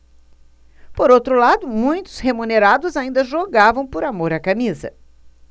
por outro lado muitos remunerados ainda jogavam por amor à camisa